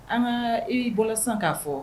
An ka e bolo san k'a fɔ